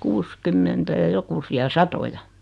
kuusikymmentä ja jokusia satoja